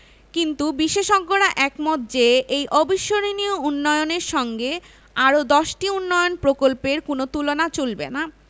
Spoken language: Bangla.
কিন্তু বিশেষজ্ঞরা একমত যে এই অবিস্মরণীয় উন্নয়নের সঙ্গে আর দশটি উন্নয়ন প্রকল্পের কোনো তুলনা চলবে না